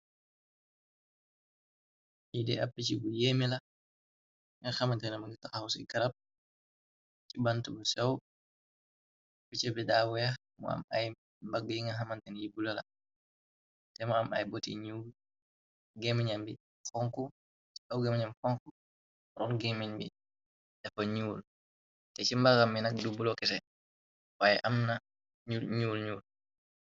Li di app pichi bu yéeme la nga xaman tena ba ngi taxaw ci karab. Ci bant bu sew pichi bi daa weex. Mu am ay mbag yi nga xamantan yi bulo la te mu am ay botyi miambi c aw franco ron. Geemin bi dafa ñuul te ci mbaxam yi nag du bulo kese waaye am na ñuul ñuul.